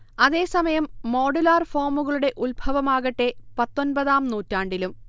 അതേസമയം, മോഡുലാർ ഫോമുകളുടെ ഉത്ഭവമാകട്ടെ, പത്തൊൻപതാം നൂറ്റാണ്ടിലും